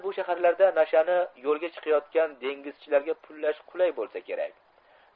bu shaharlarda nashani yo'lga chiqayotgan dengizchilarga pullash qulay bo'lsa kerak